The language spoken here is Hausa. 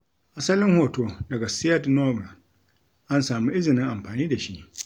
Asalin hoto daga Syed Noman. an samu izinin amfani da shi.